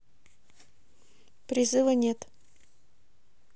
призыва нет